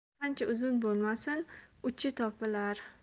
ip qancha uzun bo'lmasin uchi topilar